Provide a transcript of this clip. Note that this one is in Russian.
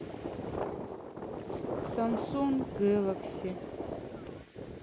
самсунг гелекси